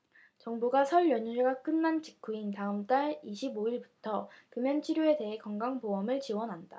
정부가 설 연휴가 끝난 직후인 다음 달 이십 오 일부터 금연치료에 대해 건강보험을 지원한다